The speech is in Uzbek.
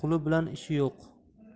quli bilan ishi yo'q